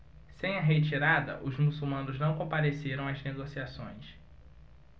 sem a retirada os muçulmanos não compareceram às negociações